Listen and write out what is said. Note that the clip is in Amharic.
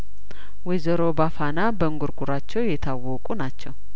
ወይዘሮ ባፋና በእንጉርጉሯቸው የታወቁ ናቸው